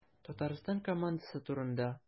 Татарстан командасы турында.